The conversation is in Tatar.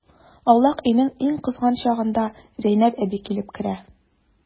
Аулак өйнең иң кызган чагында Зәйнәп әби килеп керә.